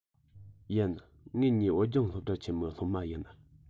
ཡིན ངེད གཉིས བོད ལྗོངས སློབ གྲྭ ཆེན མོའི སློབ མ ཡིན